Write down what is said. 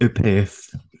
Y peth.